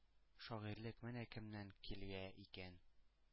Шагыйрьлек менә кемнән килә икән,